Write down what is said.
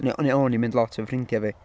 N- neu o'n i'n mynd lot efo fy ffrindiau fi.